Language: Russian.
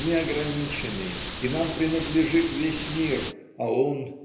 не ограничены и нам принадлежит весь мир а он